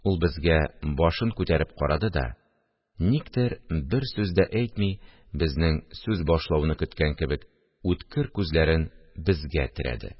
Ул безгә башын күтәреп карады да, никтер бер сүз дә әйтми, безнең сүз башлауны көткән кебек, үткер күзләрен безгә терәде